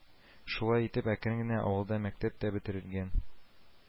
Шулай итеп, әкрен генә авылда мәктәп тә бетерелгән